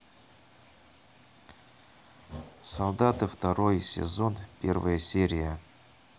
солдаты второй сезон первая серия